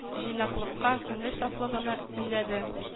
Җыйнаклыкка, күңел сафлыгына өндәде